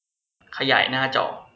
ขยายหน้าจอ